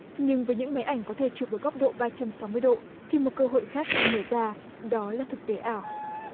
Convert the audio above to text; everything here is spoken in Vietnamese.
nhưng với những máy ảnh có thể chụp ở góc độ ba trăm sáu mươi độ thì một cơ hội khác đang mở ra đó là thực tế ảo